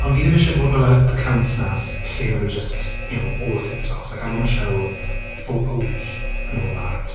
Ond fi ddim eisiau bod fel y accounts 'na s- lle mae nhw jyst, you know, all TikToks. Like I want to show photos and all that.